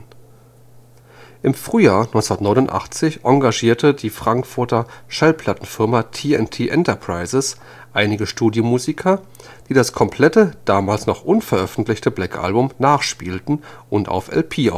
Frühjahr 1989 engagierte die Frankfurter Schallplattenfirma TnT Enterprises einige Studiomusiker, die das komplette damals noch unveröffentlichten Black Album nachspielten und auf LP